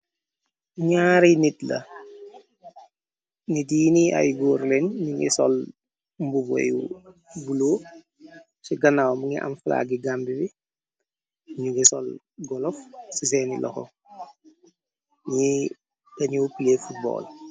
Ñaari nit la ni diini ay goor leen ñu ngi sol mbuboyu bulo ci ganaaw mingi am flaggi gamb bi ñu ngi sol golof ci seeni loxo ñi kañu plée fotbaol.